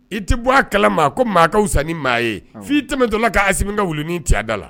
I tɛ bɔ a kala ma ko maakaw san ni maa ye' tɛm dɔ la k' asi min ka wuluni cɛ da la